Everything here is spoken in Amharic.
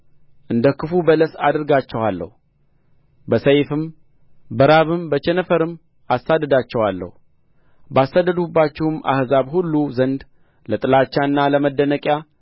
እንደ ክፉ በለስ አደርጋቸዋለሁ በሰይፍም በራብም በቸነፈርም አሳዳድዳቸዋለሁ ባሳደድሁባቸውም አሕዛብ ሁሉ ዘንድ ለጥላቻና ለመደነቂያ